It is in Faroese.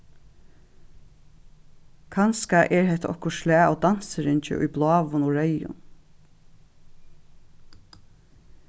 kanska er hetta okkurt slag av dansiringi í bláum og reyðum